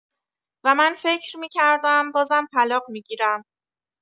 و من فکر می‌کردم بازم طلاق می‌گیرم.